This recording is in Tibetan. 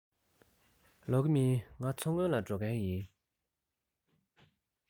ལོག གི མིན ང མཚོ སྔོན ལ འགྲོ མཁན ཡིན